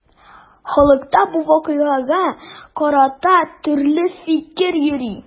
Халыкта бу вакыйгага карата төрле фикер йөри.